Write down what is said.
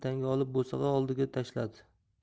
tanga olib bo'sag'a oldiga tashladi